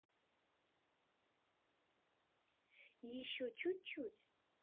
и еще чуть чуть